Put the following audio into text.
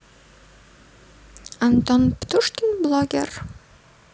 антон птушкин блогер